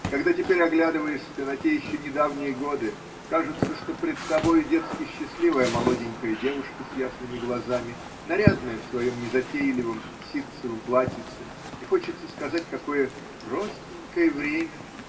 Когда теперь оглядываешься на те еще недавние годы, кажется, что пред тобою детски счастливая молоденькая девушка с ясными глазами, нарядная в своем незатейливом ситцевом платьице, и хочется сказать: – Какое простенькое время.